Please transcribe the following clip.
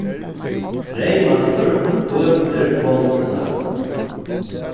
reyðmaðkur bøtir moldina